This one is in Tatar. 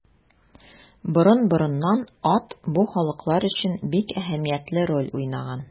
Борын-борыннан ат бу халыклар өчен бик әһәмиятле роль уйнаган.